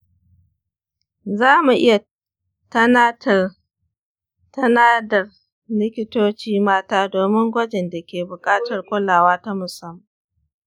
zamu iya tanadar likitoci mata domin gwajin da ke bukatar kulawa ta musamman.